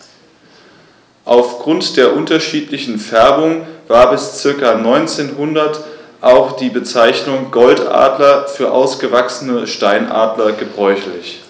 Auf Grund der unterschiedlichen Färbung war bis ca. 1900 auch die Bezeichnung Goldadler für ausgewachsene Steinadler gebräuchlich.